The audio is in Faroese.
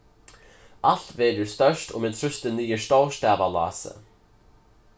alt verður stórt um eg trýsti niður stórstavalásið